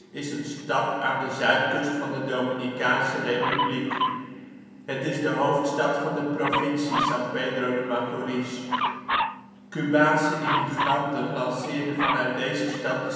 is een stad aan de zuidkust van de Dominicaanse Republiek. Het is de hoofdstad van de provincie San Pedro de Macorís. Cubaanse immigranten lanceerden vanuit deze stad de suikerindustrie